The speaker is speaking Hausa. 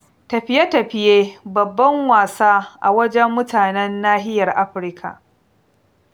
Tafiye-tafiye: Babban wasa a wajen mutanen nahiyar Afirka